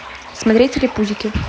смотреть телепузики